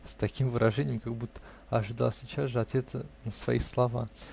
-- с таким выражением, как будто ожидал сейчас же ответа на свои слова